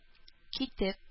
Китеп